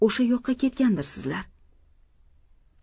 o'sha yoqqa ketgandirsizlar